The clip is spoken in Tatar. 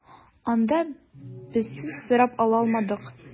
Анда без сүз сорап ала алмадык.